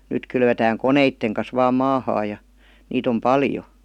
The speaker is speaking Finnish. nyt kylvetään koneiden kanssa vain maahan ja niitä on paljon